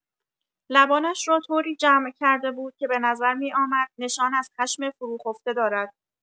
لبانش را طوری جمع کرده بود که به نظر می‌آمد نشان از خشم فروخفته دارد.